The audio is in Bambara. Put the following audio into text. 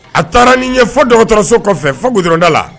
A taara ni n ye fɔ dɔgɔtɔrɔso kɔfɛ fo gudɔrɔnda la